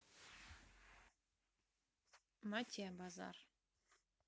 matia bazar